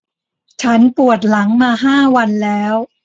ฉันปวดหลังมาห้าวันแล้ว